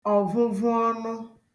ọ̀vụvụọnụ